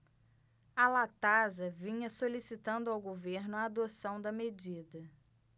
a latasa vinha solicitando ao governo a adoção da medida